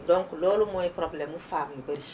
donc loolu mooy problème mu femmes yu bari